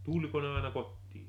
tuliko ne aina kotiin